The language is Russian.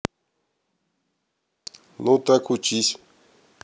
ну так учись